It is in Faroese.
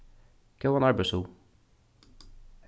góðan arbeiðshug